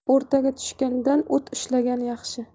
o'rtaga tushgandan o't ushlagan yaxshi